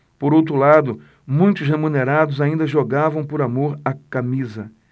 por outro lado muitos remunerados ainda jogavam por amor à camisa